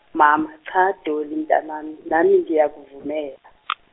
mama, cha Dolly mntanami nami ngiyakuvumela .